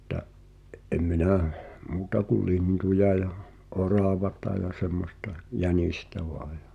mutta en minä muuta kuin lintuja ja oravaa ja semmoista jänistä vain ja